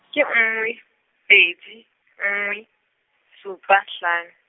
ke nngwe, pedi, nngwe, supa hlano.